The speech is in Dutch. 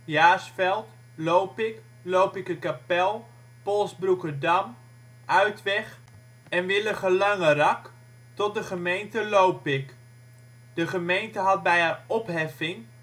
Jaarsveld, Lopik, Lopikerkapel, Polsbroekerdam, Uitweg, Willige Langerak) tot de gemeente Lopik. De gemeente had bij haar opheffing